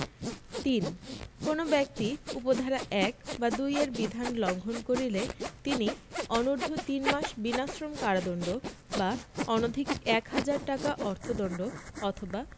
৩ কোন ব্যক্তি উপ ধারা ১ বা ২ এর বিধান লংঘন করিলে তিনি অনূর্ধ্ব তিনমাস বিনাশ্রম কারাদন্ড বা অনধিক এক হাজার টাকা অর্থ দন্ড অথবা